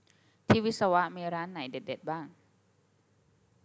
ที่วิศวะมีร้านไหนเด็ดเด็ดบ้าง